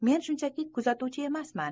men shunchaki kuzatuvchi emasman